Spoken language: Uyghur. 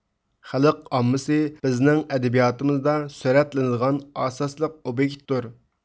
خەلق ئاممىسى بىزنىڭ ئەدەبىياتىمىزدا سۈرەتلىنىدىغان ئاساسلىق ئوبيېكتتۇر